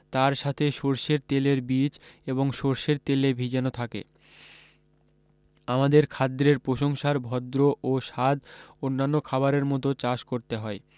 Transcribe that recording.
তার সাথে সরষের তেলের বীজ এবং সরষের তেলে ভিজানো থাকে আমাদের খাদ্যের প্রসংশার ভদ্র ও স্বাদ অন্যান্য খাবারের মতো চাষ করতে হয়